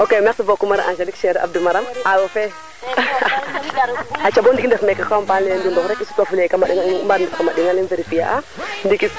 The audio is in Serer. cono yo de cona fa muko maten nda koy wax deg in mboy mbiyan yaam i njege pexey fa alakas nda koy a ɗoma mat wax deg fa yala i nga a nga lakaso i njang